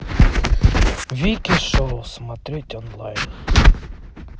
вики шоу смотреть онлайн